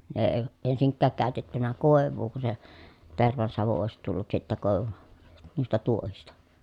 ne ei ensinkään käytetty koivua kun se tervansavu olisi tullut sitten - noista tuohista